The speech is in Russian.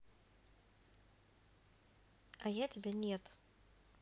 а я тебя нет